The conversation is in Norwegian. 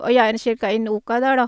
Og jeg er cirka en uke der, da.